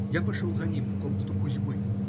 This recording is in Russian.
Я пошел за ним в комнату Кузьмы.